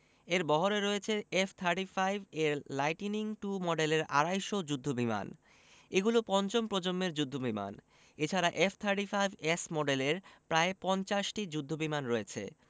এর বহরে রয়েছে এফ থার্টি ফাইভ এর লাইটিনিং টু মডেলের আড়াই শ যুদ্ধবিমান এগুলো পঞ্চম প্রজন্মের যুদ্ধবিমান এ ছাড়া এফ থার্টি ফাইভ এস মডেলের প্রায় ৫০টি যুদ্ধবিমান রয়েছে